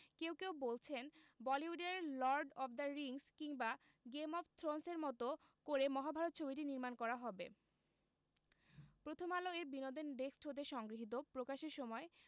কেউ কেউ বলছেন হলিউডের লর্ড অব দ্য রিংস কিংবা গেম অব থ্রোনস এর মতো করে মহাভারত ছবিটি নির্মাণ করা হবে প্রথমআলো এর বিনোদন ডেস্ক হতে সংগৃহীত প্রকাশের সময়